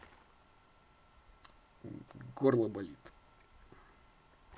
горло болит